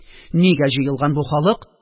– нигә җыелган бу халык?